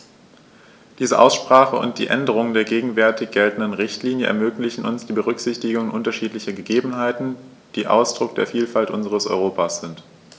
Diese Aussprache und die Änderung der gegenwärtig geltenden Richtlinie ermöglichen uns die Berücksichtigung unterschiedlicher Gegebenheiten, die Ausdruck der Vielfalt unseres Europas sind.